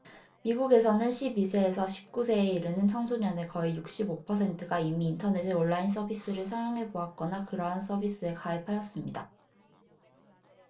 미국에서는 십 이 세에서 십 구 세에 이르는 청소년의 거의 육십 오 퍼센트가 이미 인터넷의 온라인 서비스를 사용해 보았거나 그러한 서비스에 가입하였습니다